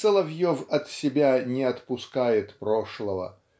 Соловьев от себя не отпускает прошлого